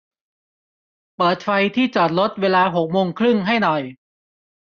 เปิดไฟที่จอดรถเวลาหกโมงครึ่งให้หน่อย